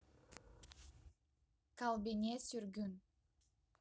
калбине сюргюн